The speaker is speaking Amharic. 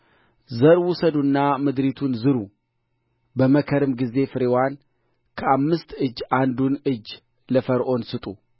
ዘር ውሰዱና ምድሪቱን ዝሩ በመከርም ጊዜ ፍሬውን ከአምስት እጅ አንዱን እጅ ለፈርዖን ስጡ